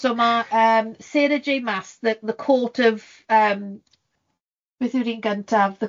So ma' yym Sarah J Maas, the the Court of yym, beth yw'r un gyntaf?